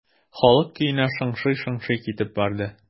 Халык көенә шыңшый-шыңшый китеп барды.